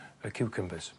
y ciwcymbyrs.